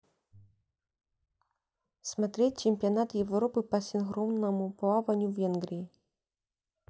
смотреть чемпионат европы по синхронному плаванию в венгрии